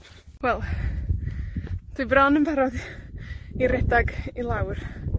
Wel, dwi bron yn barod, i redag i lawr.